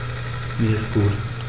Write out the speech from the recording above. Mir ist gut.